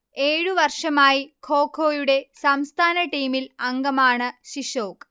ഏഴു വർഷമായി ഖോഖൊയുടെ സംസ്ഥാന ടീമിൽ അംഗമാണു ശിശോക്